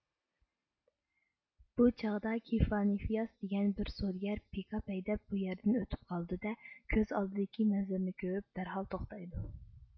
بۇ چاغدا كىفانىفياس دېگەن بىر سودىگەر پىكاپ ھەيدەپ بۇ يەردىن ئۆتۈپ قالىدۇ دە كۆز ئالدىدىكى مەنزىرىنى كۆرۈپ دەرھال توختايدۇ